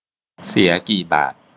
เสียกี่บาท